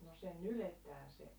no se nyljetään se